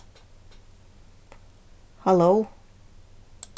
halló